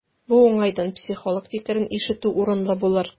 Бу уңайдан психолог фикерен ишетү урынлы булыр.